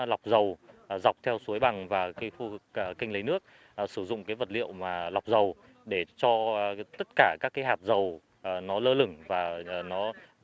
lọc dầu dọc theo suối bằng và khi khu vực kênh lấy nước hoặc sử dụng cái vật liệu mà lọc dầu để cho tất cả các cây hạt dầu ở nó lơ lửng và nhờ nó